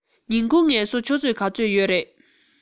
ཉིན གུང ངལ གསོ ཆུ ཚོད ག ཚོད ཡོད རས